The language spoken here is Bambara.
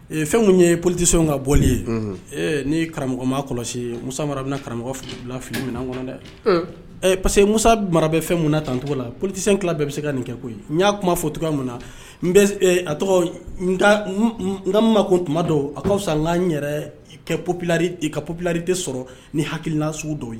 Ee fɛn tun ye politise ka bɔ ye ni karamɔgɔ maa kɔlɔsi mu mara bɛna karamɔgɔ f fi minɛn kɔnɔ dɛ parce que mu mara bɛ fɛn munna na tancogo la politisen ki bɛɛ bɛ se ka nin kɛ koyi n y'a kuma fɔ cogoya mun na n a tɔgɔ n ma ko tuma dɔw a kaaw san n' n yɛrɛ i kɛ ppiri i ka ppiliri tɛ sɔrɔ ni hakililasiw dɔw ye